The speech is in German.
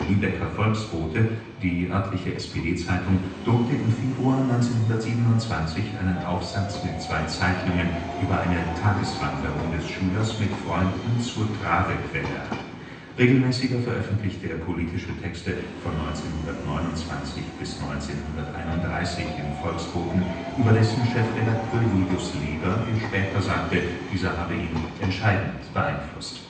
Lübecker Volksbote, die örtliche SPD-Zeitung, druckte im Februar 1927 einen Aufsatz mit zwei Zeichnungen über eine Tageswanderung des Schülers mit Freunden zur Travequelle ab. Regelmäßiger veröffentlichte er politische Texte von 1929 bis 1931 im Volksboten, über dessen Chefredakteur Julius Leber er später sagte, dieser habe ihn entscheidend beeinflusst